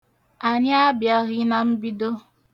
Anyị abịaghị na mbido.